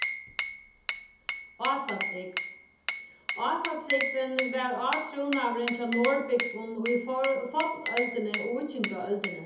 ásatrúgv ásatrúgvin var átrúnaðurin hjá norðbúgvum í fornøldini og víkingaøldini